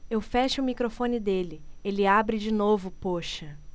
eu fecho o microfone dele ele abre de novo poxa